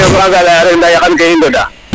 fada ndef maga a leya rek mais yakan ke i ngoda